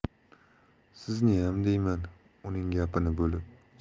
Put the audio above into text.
sizniyam deyman uning gapini bo'lib